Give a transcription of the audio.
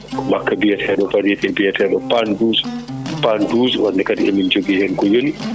makka biyateɗo variété biyateɗo pan 12 pan 12 onne kadi emin jogui hen ko yoni